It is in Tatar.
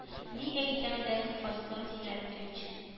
Ни әйтсәң дә казбек зиннәтович